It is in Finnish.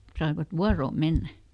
saivat vuoroon mennä